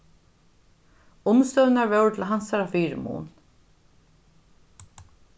umstøðurnar vóru til hansara fyrimun